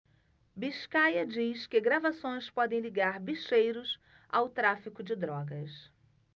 biscaia diz que gravações podem ligar bicheiros ao tráfico de drogas